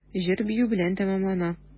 Җыр-бию белән тәмамлана.